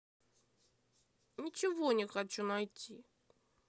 ничего не хочу найти